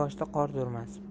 boshida qor turmas